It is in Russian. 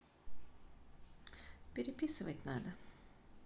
переписывать надо